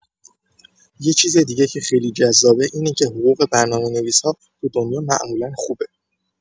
یه چیز دیگه که خیلی جذابه اینه که حقوق برنامه‌نویس‌ها تو دنیا معمولا خوبه.